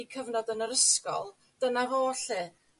'u cyfnod yn yr ysgol dyna fo 'lly.